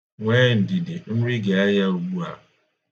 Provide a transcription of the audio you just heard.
Nwee ndidi, nri ga-eghe ugbu a.